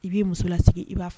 I b'i muso lasigi i b'a